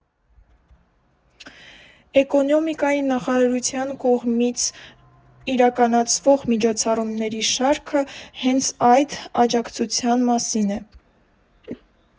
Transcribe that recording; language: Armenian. Էկոնոմիկայի նախարարության կողմից իրականցվող միջոցառումների շարքը հենց այդ աջակցության մասին է։